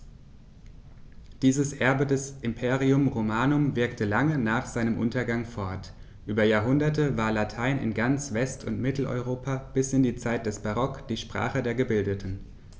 Dieses Erbe des Imperium Romanum wirkte lange nach seinem Untergang fort: Über Jahrhunderte war Latein in ganz West- und Mitteleuropa bis in die Zeit des Barock die Sprache der Gebildeten.